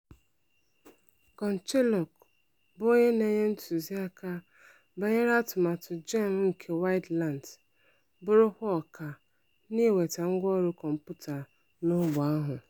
GunChleoc bụ onye na-enye ntụziaka banyere atụmatụ gem nke Widelands. Bụrụkwa ọkà n'iweta ngwaọrụ kọmputa n'ógbè ahụ.